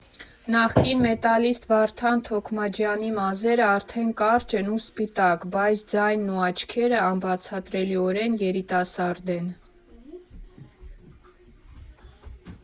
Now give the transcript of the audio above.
Նախկին մետալիստ Վարդան Թոքմաջյանի մազերը արդեն կարճ են ու սպիտակ, բայց ձայնն ու աչքերը անբացատրելիորեն երիտասարդ են։